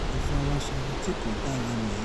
Ìfarasọ̀rọ̀ tí kò dára nìyí